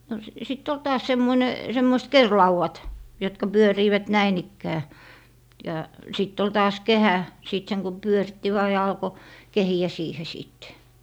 no - sitten oli taas semmoinen semmoiset kerinlaudat jotka pyörivät näin ikään ja sitten oli taas kehä sitten sen kun pyöritti vain ja alkoi kehiä siihen sitten